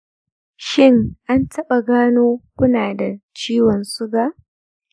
shin an taɓa gano kuna da ciwon suga?